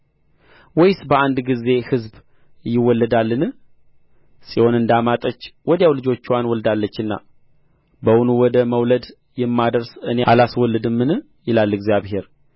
ወይስ በአንድ ጊዜ ሕዝብ ይወለዳልን ጽዮን እንዳማጠች ወዲያው ልጆችዋን ወልዳለችና በውኑ ወደ መውለድ የማደርስ እኔ አላስወልድምን ይላል እግዚአብሔር